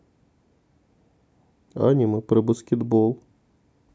аниме про баскетбол